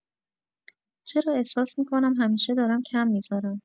چرا احساس می‌کنم همیشه دارم کم می‌ذارم؟